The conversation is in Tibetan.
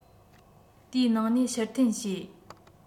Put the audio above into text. དེའི ནང ནས ཕྱིར འཐེན བྱས